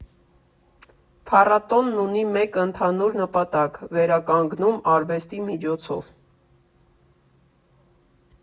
Փառատոնն ունի մեկ ընդհանուր նպատակ՝ վերականգնում արվեստի միջոցով։